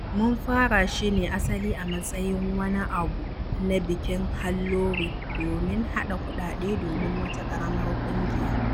Mun fara shi ne asali a matsayin wani abu na bikin Halloween domin haɗa kuɗaɗe domin wata ƙaramar ƙungiya.